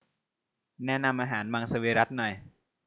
แนะนำอาหารมังสวิรัติหน่อย